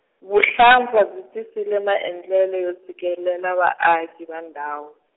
vuhlampfa byi tisile maendlelo yo tshikelela vaaki va ndhawu.